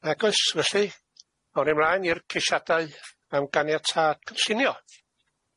Nag oes felly awn ni mlaen i'r ceisiadau yym ganiata cyllunio.